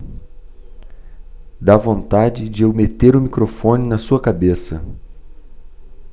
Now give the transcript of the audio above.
dá vontade de eu meter o microfone na sua cabeça